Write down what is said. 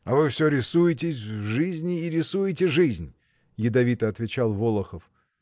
— А вы всё рисуетесь в жизни и рисуете жизнь! — ядовито отвечал Волохов.